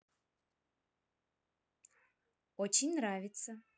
очень нравится